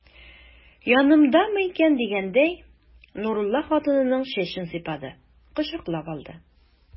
Янымдамы икән дигәндәй, Нурулла хатынының чәчен сыйпады, кочаклап алды.